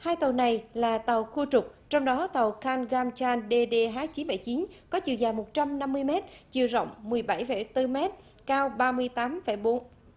hai tàu này là tàu khui trục trong đó tàu cang gam chan đê đê hắt chín phẩy chín có chiều dài một trăm năm mươi mét chiều rộng mười bảy phẩy tư mét cao ba mươi tám phẩy bốn